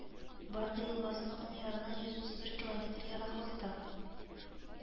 Барда елгасының уң ярыннан йөз утыз бер километр ераклыкта